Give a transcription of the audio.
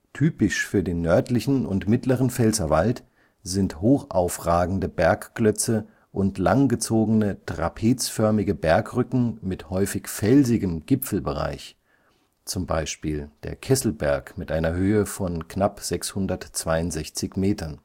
Typisch für den nördlichen und mittleren Pfälzerwald sind hochaufragende Bergklötze und langgezogene trapezförmige Bergrücken mit häufig felsigem Gipfelbereich (z. B. Kesselberg, 661,8 m